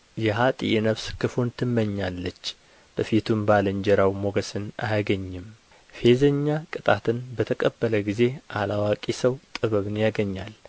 የኀጥእ ነፍስ ክፉን ትመኛለች በፊቱም ባልንጀራው ሞገስን አያገኝም ፌዘኛ ቅጣትን በተቀበለ ጊዜ አላዋቂ ሰው ጥበብን ያገኛል